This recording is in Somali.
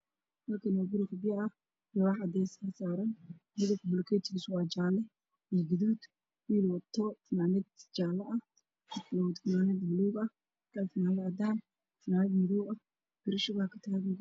Waa guri isma ku socdo oo dhagax laga dhisaayo niman ayaa joogo berri ayaa ka tagtaagan oo shub ah